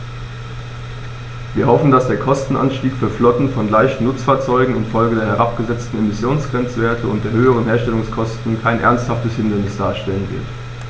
Wir hoffen, dass der Kostenanstieg für Flotten von leichten Nutzfahrzeugen in Folge der herabgesetzten Emissionsgrenzwerte und der höheren Herstellungskosten kein ernsthaftes Hindernis darstellen wird.